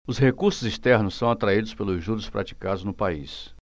os recursos externos são atraídos pelos juros praticados no país